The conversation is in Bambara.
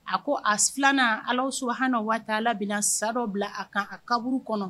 A ko a filanan Allahu subuhaanhu wa taala bɛna sa dɔ bila a kan a ka kaburu kɔnɔ.